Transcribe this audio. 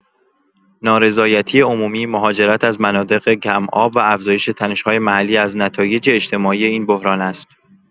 نارضایتی عمومی، مهاجرت از مناطق کم‌آب و افزایش تنش‌های محلی از نتایج اجتماعی این بحران است.